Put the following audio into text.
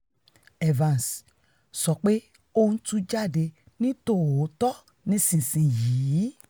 Evans: ''sọ pé, ó ńtú jáde nítòótọ́ nísinsìnyí!''